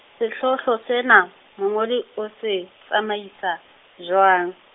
sehlohlo sena, mongodi o se, tsamaisa jwang?